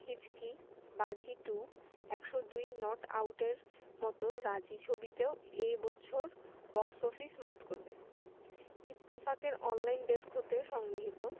Hichki Baaghi two ১০২ not আউটের মতো রাজী ছবিটিও এ বছর বক্স অফিস মাত করবে ইত্তেফাক এর অনলাইন ডেস্ক হতে সংগৃহীত